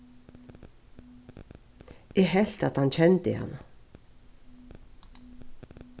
eg helt at hann kendi hana